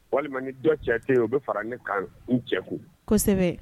Walima ni dɔ cɛ tɛ yen o bɛ fara ne kan n cɛ kun, kosɛbɛ!